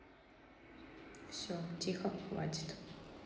все тихо хватит